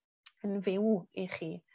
yn fyw i chi.